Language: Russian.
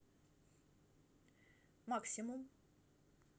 максимум